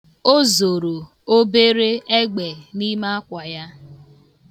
O zoro obere egbe n'ime akwa ya.